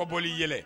Kɔbɔoli yɛlɛ